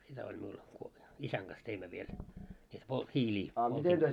sitä oli minulla isän kanssa teimme vielä sitten - hiiliä poltimme